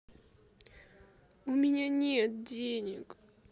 у меня нет денег